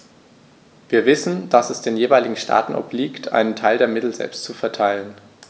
Wir wissen, dass es den jeweiligen Staaten obliegt, einen Teil der Mittel selbst zu verteilen.